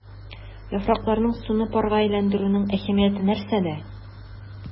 Яфракларның суны парга әйләндерүнең әһәмияте нәрсәдә?